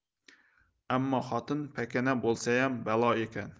ammo xotin pakana bo'lsayam balo ekan